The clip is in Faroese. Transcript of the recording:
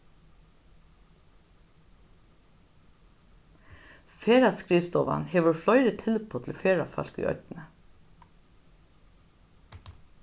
ferðaskrivstovan hevur fleiri tilboð til ferðafólk í oynni